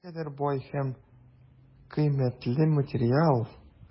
Никадәр бай һәм кыйммәтле материал!